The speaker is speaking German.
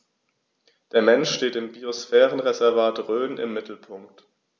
Der Mensch steht im Biosphärenreservat Rhön im Mittelpunkt.